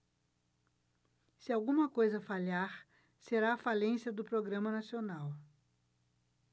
se alguma coisa falhar será a falência do programa nacional